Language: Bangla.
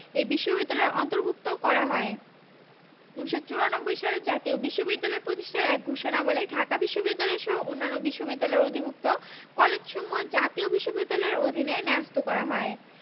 ওই বিশ্ববিদ্যালয়ের অন্তর্ভুক্ত করা হয় ১৯৯৪ সালে জাতীয় বিশ্ববিদ্যালয় প্রতিষ্ঠার এক ঘোষণাবলে ঢাকা বিশ্ববিদ্যালয়সহ অন্যান্য বিশ্ববিদ্যালয়ের অধিভুক্ত কলেজসমূহ জাতীয় বিশ্ববিদ্যালয়ের অধীনে ন্যস্ত করা হয়